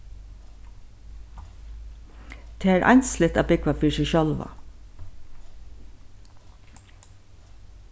tað er einsligt at búgva fyri seg sjálva